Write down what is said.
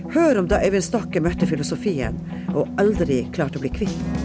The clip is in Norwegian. hør om da Øyvind Stokke møtte filosofien og aldri klarte å bli kvitt den!